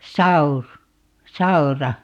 - saura